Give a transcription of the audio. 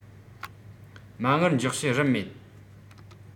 མ དངུལ འཇོག བྱེད རིན མེད